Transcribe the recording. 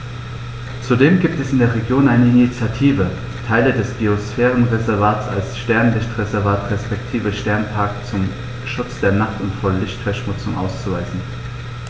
Zudem gibt es in der Region eine Initiative, Teile des Biosphärenreservats als Sternenlicht-Reservat respektive Sternenpark zum Schutz der Nacht und vor Lichtverschmutzung auszuweisen.